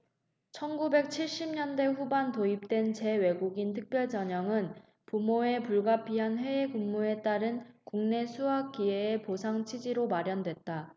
천 구백 칠십 년대 후반 도입된 재외국민 특별전형은 부모의 불가피한 해외 근무에 따른 국내 수학 기회의 보상 취지로 마련됐다